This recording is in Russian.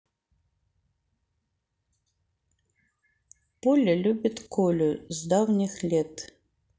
поля любит колю с давних лет